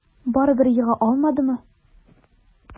Барыбер ега алмадымы?